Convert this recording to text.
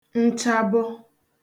nchabọ